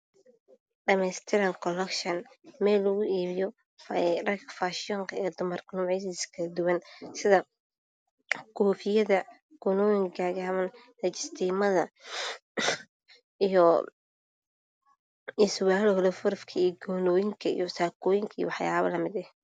Dhameystin kolagshan waa meel lugu iibiyo dhar kale duwan sida koofiyada, rajastiinka, surwaalada, goonooyinka iyo saakooyinka.